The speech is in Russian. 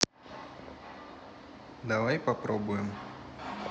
давай попробуем